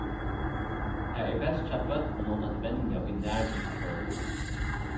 tað er best hjá børnum at venja í nærumhvørvinum